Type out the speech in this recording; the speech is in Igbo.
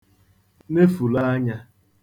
nefùlu anyā